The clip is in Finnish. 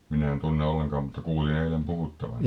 minä en tunne ollenkaan mutta kuulin eilen puhuttavan